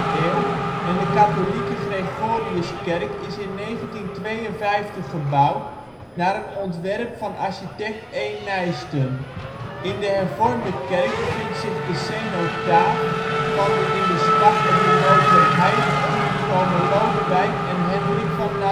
14e eeuw en de Katholieke Gregoriuskerk is in 1952 gebouwd naar een ontwerp van architect E. Nijsten. In de Hervormde kerk bevindt zich de cenotaaf van de in de slag op de Mokerheide omgekomen Lodewijk en Hendrik van